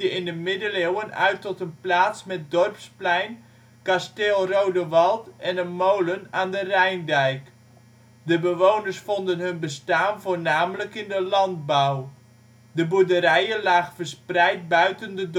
in de middeleeuwen uit tot een plaats met dorpsplein, kasteel Roode Wald en een molen aan de Rijndijk. De bewoners vonden hun bestaan voornamelijk in de landbouw. De boerderijen lagen verspreid buiten de